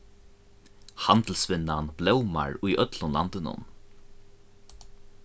handilsvinnan blómar í øllum landinum